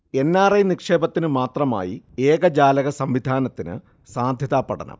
N. R. I നിക്ഷേപത്തിനു മാത്രമായി ഏകജാലക സംവിധാനത്തിനു സാധ്യതാ പഠനം